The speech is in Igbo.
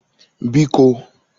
bikō